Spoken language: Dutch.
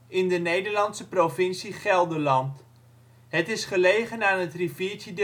in de Nederlandse provincie Gelderland. Het is gelegen aan het riviertje